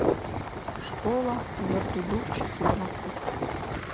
школа я приду в четырнадцать